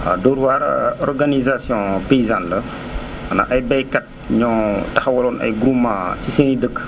waaw Dóor waar organisation paysane la ndax ay baykat ñoo taxawaloon ay groupements ci seen i dëkk